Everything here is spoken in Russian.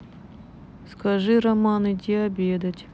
скажи рома иди обедать